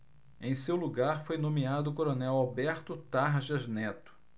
em seu lugar foi nomeado o coronel alberto tarjas neto